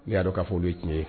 N y'a k kaa foli tiɲɛ ye